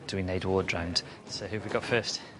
dwi'n neud ward round. So who've we got first?